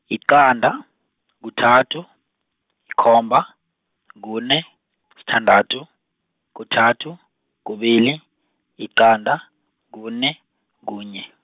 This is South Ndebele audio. yiqanda, kuthathu, yikomba, kune, sithandathu, kuthathu, kubili, yiqanda, kune, kunye.